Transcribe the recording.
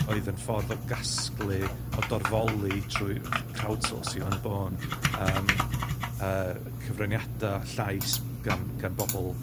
oedd yn ffordd o gasglu, o dorfoli trwy fath- crowd soursio yn y bôn, yym yy cyfraniada llais gan gan bobol